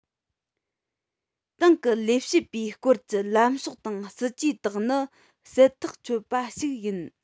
ཏང གི ལས བྱེད པའི སྐོར གྱི ལམ ཕྱོགས དང སྲིད ཇུས དག ནི གསལ ཐག ཆོད པ ཞིག ཡིན